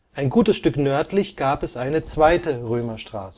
Ein gutes Stück nördlich gab es eine zweite Römerstraße